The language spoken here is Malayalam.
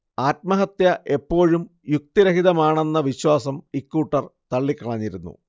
ആത്മഹത്യ എപ്പോഴും യുക്തിരഹിതമാണെന്ന വിശ്വാസം ഇക്കൂട്ടർ തള്ളിക്കളഞ്ഞിരുന്നു